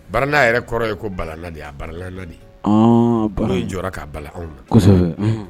Bara yɛrɛ kɔrɔ ye ko balaladiya baralaladi balo in jɔ k'a balakawsɔ